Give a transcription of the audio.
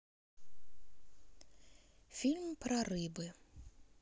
фильм про рыбы